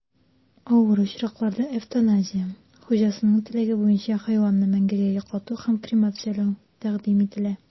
Авыр очракларда эвтаназия (хуҗасының теләге буенча хайванны мәңгегә йоклату һәм кремацияләү) тәкъдим ителә.